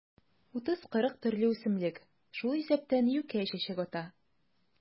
30-40 төрле үсемлек, шул исәптән юкә чәчәк ата.